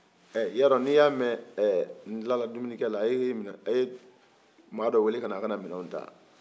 yɔrɔ ni y'a mɛn n tilala dumuni kɛ la a ye maa dɔ wele a kana minaw ta